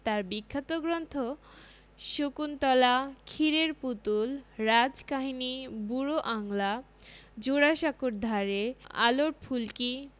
তার বিখ্যাত গ্রন্থ শকুন্তলা ক্ষীরের পুতুল রাজকাহিনী বুড়ো আংলা জোড়াসাঁকোর ধারে আলোর ফুলকি